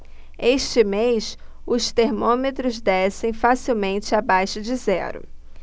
este mês os termômetros descem facilmente abaixo de zero